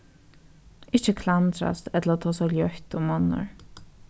ikki klandrast ella tosa ljótt um onnur